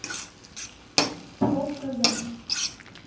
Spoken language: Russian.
плов в казане